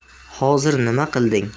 hozir nima qilding